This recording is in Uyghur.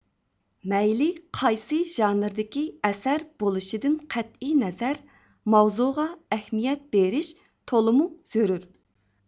مەيلى قايسى ژانىردىكى ئەسەر بولۇشىدىن قەتئىينەزەر ماۋزۇغا ئەھمىيەت بېرىش تولىمۇ زۆرۈر